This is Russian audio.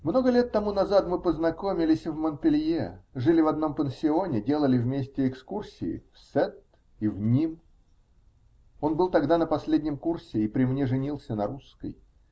Много лет тому назад мы познакомились в Монпелье, жили в одном пансионе, делали вместе экскурсии в Сетт и в Ним, он был тогда на последнем курсе и при мне женился на русской.